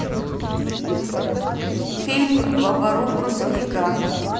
фильм во бору брусника